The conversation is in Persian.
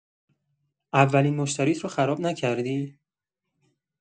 اولین مشتریت رو خراب نکردی؟